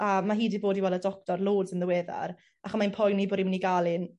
A ma' hi 'di bod i weld y doctor loads yn ddiweddar acho mae'n poeni bo' 'i myn' i ga'l un